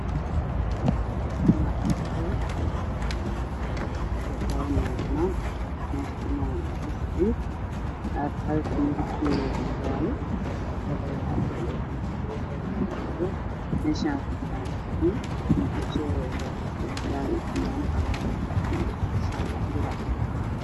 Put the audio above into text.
Meeshan waa bannaan waxaa taagan cagaf midabkeedu yahay jaalo cid ay guuraysaa saddex ninna way joogaan cagaar shati koof